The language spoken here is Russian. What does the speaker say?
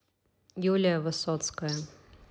юлия высоцкая